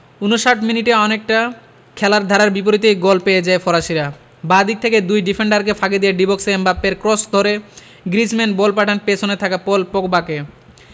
৫৯ মিনিটে অনেকটা খেলার ধারার বিপরীতেই গোল পেয়ে যায় ফরাসিরা বাঁ দিক থেকে দুই ডিফেন্ডারকে ফাঁকি দিয়ে ডি বক্সে এমবাপ্পের ক্রস ধরে গ্রিজমান বল পাঠান পেছনে থাকা পল পগবাকে